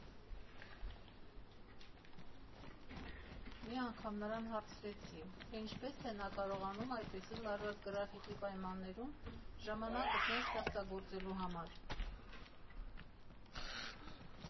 Մի անգամ նրան հարցրեցին, թե ինչպես է նա կարողանում այդպիսի լարված գրաֆիկի պայմաններում ժամանակ գտնել ստեղծագործելու համար։